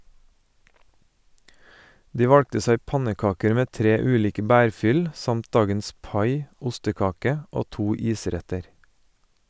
De valgte seg pannekaker med tre ulike bærfyll, samt dagens pai (ostekake) og to isretter.